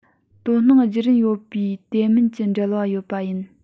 དོ སྣང བགྱི རིན ཡོད པའི དེ མིན གྱི འབྲེལ བ ཡོད པ ཡིན